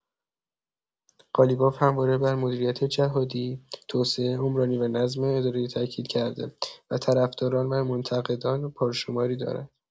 قالیباف همواره بر مدیریت جهادی، توسعه عمرانی و نظم اداری تأکید کرده و طرفداران و منتقدان پرشماری دارد.